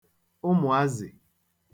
ụmụ̀azị̀